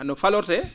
no falortee